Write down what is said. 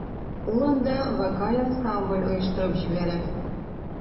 Ул анда вокаль ансамбль оештырып җибәрә.